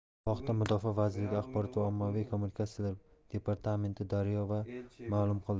bu haqda mudofaa vazirligi axborot va ommaviy kommunikatsiyalar departamenti daryo ga ma'lum qildi